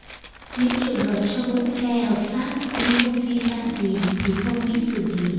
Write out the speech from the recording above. những trường hợp cho mượn xe hợp pháp đi không vi phạm gì thì không bị xử lý